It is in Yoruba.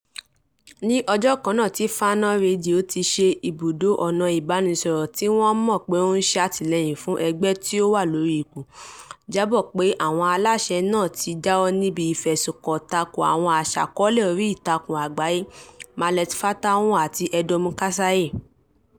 Ní ọjọ́ kannáà tí FANA Rédíò, tíí ṣe ibùdó ọ̀nà ìbánisọ̀rọ̀ tí wọ́n mọ̀ pé ó ń ṣàtìlẹ́yìn fún ẹgbẹ́ tí ó wà lórí ipò, jábọ̀ pé àwọn aláṣẹ náà tí jáwọ́ níbi ìfẹ̀sùnkàn tako àwọn aṣàkọ́ọ́lẹ̀ orí ìtàkùn àgbáyé Mahlet Fantahun àti Édómù Kassaye.